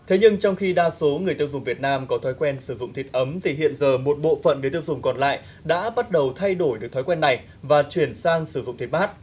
thế nhưng trong khi đa số người tiêu dùng việt nam có thói quen sử dụng thịt ấm thì hiện giờ một bộ phận để tiêu thụ còn lại đã bắt đầu thay đổi được thói quen này và chuyển sang sử dụng thịt mát